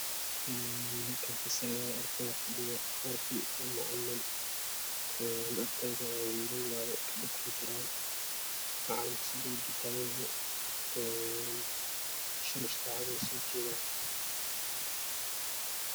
Halka fasal waaye arday ayaa fadhido arday iyo macalin ardayda wiilal waaye gabdho kumajiraan macalinka sabuuraduu taganyahay shamsharaca wuu so jedaa